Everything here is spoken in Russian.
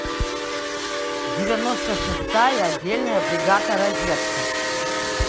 девяносто шестая отдельная бригада розетка